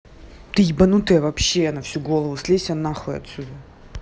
ты ебанутая вообще на всю голову слейся нахуй отсюда